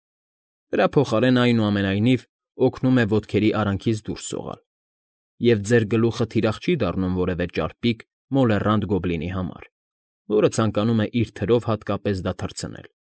Դրա փոխարեն, այնուամենայնիվ, օգնում է ոտքերի արանքից դուրս սողալ, և ձեր գլուխը թիրախ չի դառնում որևէ ճարպիկ, մոլեռանդ գոբլինի համար, որը ցանկանում է իր թրով հատկապես դա թռցնել։